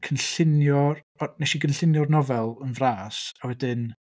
Cynllunio'r... o, wnes i gynllunio'r nofel yn fras, a wedyn...